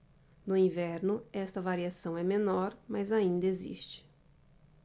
no inverno esta variação é menor mas ainda existe